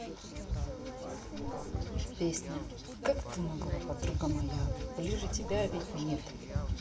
песня как ты могла подруга моя ближе тебя ведь нет